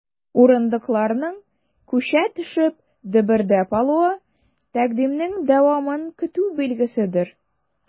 Урындыкларның, күчә төшеп, дөбердәп алуы— тәкъдимнең дәвамын көтү билгеседер.